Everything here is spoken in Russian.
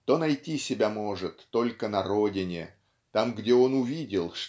то найти себя может только на родине там где он увидел